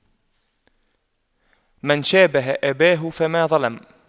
من شابه أباه فما ظلم